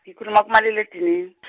ngikhuluma kumaliledinini .